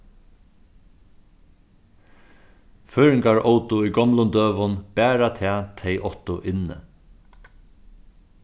føroyingar ótu í gomlum døgum bara tað tey áttu inni